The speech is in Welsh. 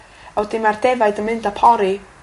A wedyn ma'r defaid yn mynd a porri.